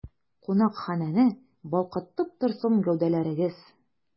Кунакханәне балкытып торсын гәүдәләрегез!